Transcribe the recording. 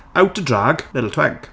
Out of drag? Little twink.